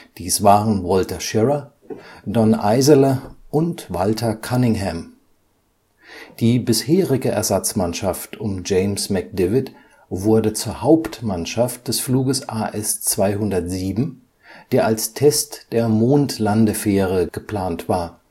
Dies waren Walter Schirra, Donn Eisele und Walter Cunningham. Die bisherige Ersatzmannschaft um James McDivitt wurde zur Hauptmannschaft des Fluges AS-207, der als Test der Mondlandefähre geplant war